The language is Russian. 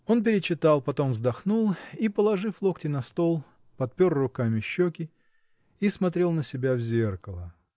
Он перечитал, потом вздохнул и, положив локти на стол, подпер руками щеки и смотрел на себя в зеркало.